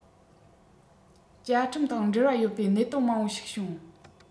བཅའ ཁྲིམས དང འབྲེལ བ ཡོད པའི གནད དོན མང པོ ཞིག བྱུང